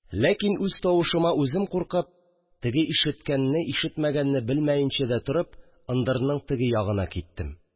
Ләкин үз тавышыма үзем куркып, теге ишеткәнне-ишетмәгәнне белмәенчә дә торып, ындырның теге ягына киттем